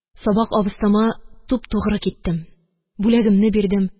Сабак абызтама туп-тугры киттем, бүләгемне бирдем.